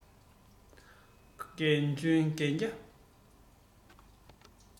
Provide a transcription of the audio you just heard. འགན བཅོལ གན རྒྱ